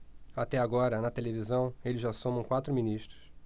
até agora na televisão eles já somam quatro ministros